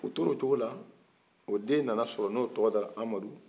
u toro cogola o den nana sɔrɔ n'o tɔgɔ ye amadu